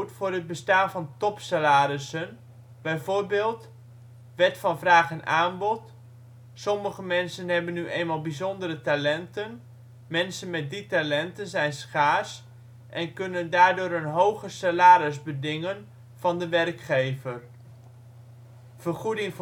voor het bestaan van topsalarissen, bijvoorbeeld: Wet van vraag en aanbod: " Sommige mensen hebben nu eenmaal bijzondere talenten; mensen met die talenten zijn schaars en kunnen daardoor een hoger salaris bedingen van de werkgever. " Vergoeding